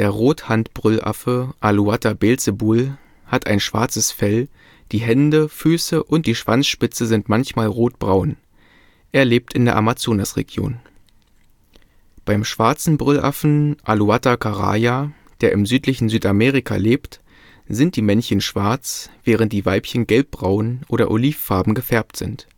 Rothandbrüllaffe (Alouatta belzebul) hat ein schwarzes Fell, die Hände, Füße und die Schwanzspitze sind manchmal rotbraun. Er lebt in der Amazonasregion. Beim Schwarzen Brüllaffen (Alouatta caraya), der im südlichen Südamerika lebt, sind die Männchen schwarz, während die Weibchen gelbbraun oder olivfarben gefärbt sind